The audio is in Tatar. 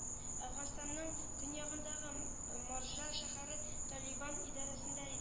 Әфганстанның көньягындагы маржа шәһәре талибан идарәсендә